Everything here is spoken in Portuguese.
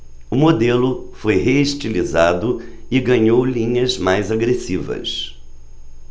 o modelo foi reestilizado e ganhou linhas mais agressivas